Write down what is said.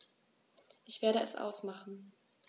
Ich werde es ausmachen